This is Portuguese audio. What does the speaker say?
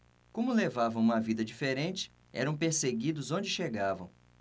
como levavam uma vida diferente eram perseguidos onde chegavam